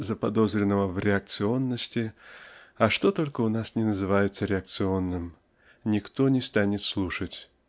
заподозренного в "реакционности" (а что только у нас не называется "реакционным"!) никто не станет слушать